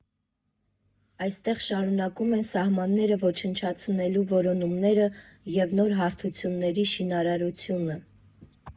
Այստեղ շարունակում են սահմանները ոչնչացնելու որոնումները և նոր հարթությունների շինարարությունը։